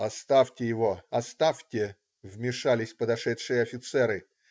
"Оставьте его, оставьте!" - вмешались подошедшие офицеры.